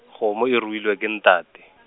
kgomo e ruilwe ke ntate .